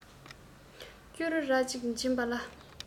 སྐྱུ རུ ར གཅིག བྱིན པ ལ